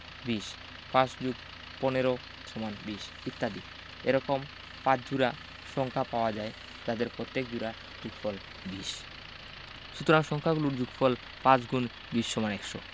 ২০ ৫+১৫=২০ ইত্যাদি এরকম ৫ জোড়া সংখ্যা পাওয়া যায় যাদের প্রত্যেক জোড়া যোগফল ২০ সুতরাং সংখ্যা গুলোর যোগফল ৫*২০=১০০